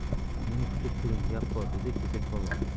meni kutib turing gap bor dedi kesakpolvon